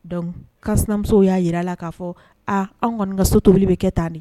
Donc ka sinamuso y'a jira a la k'a fɔ aa an kɔni ka so tobili bɛ kɛ tan nin